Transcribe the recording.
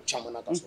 Caman don